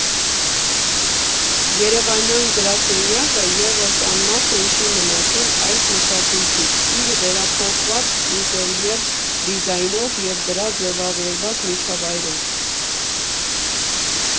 Երևանյան գրասենյակը ևս անմասն չի մնացել այս մշակույթից՝ իր վերափոխված ինտերիեր դիզայնով և դրա ձևավորած միջավայրով։